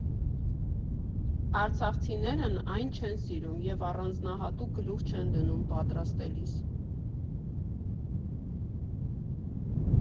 Արցախցիներն այն չեն սիրում և առանձնահատուկ գլուխ չեն դնում պատրաստելիս։